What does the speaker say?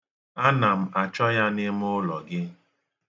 Ana m achọ ya n'imụụlọ gị.